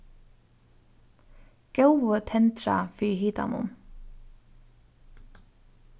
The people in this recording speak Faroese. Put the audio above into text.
góði tendra fyri hitanum